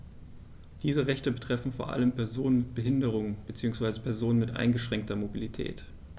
Diese Rechte betreffen vor allem Personen mit Behinderung beziehungsweise Personen mit eingeschränkter Mobilität.